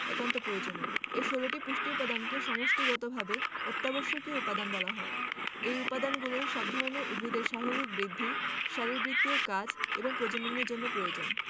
এ 16টি পুষ্টি উপাদানকে সমষ্টিগতভাবে অত্যাবশ্যকীয় উপাদান essential elements বলা হয় এই উপাদানগুলো সব ধরনের উদ্ভিদের স্বাভাবিক বৃদ্ধি শারীরবৃত্তীয় কাজ এবং প্রজননের জন্য প্রয়োজন